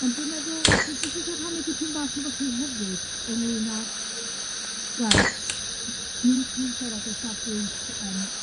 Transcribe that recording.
On' dwi'n meddwl dwi jyst isio rhannu dipyn bach efo chi hefyd ynglŷn â wel, dwi'n dwi'n siarad o safbwynt yym